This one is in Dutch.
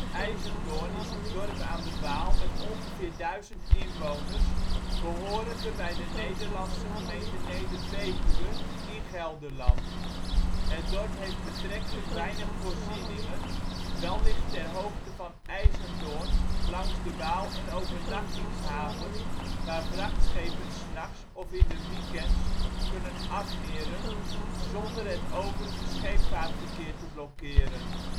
IJzendoorn is een dorp aan de Waal met ongeveer 1000 inwoners, behorende bij de Nederlandse gemeente Neder-Betuwe in Gelderland. Het dorp heeft betrekkelijk weinig voorzieningen, wel ligt ter hoogte van IJzendoorn langs de Waal een overnachtingshaven waar vrachtschepen ' s nachts of in de weekends kunnen afmeren zonder het overige scheepvaartverkeer te blokkeren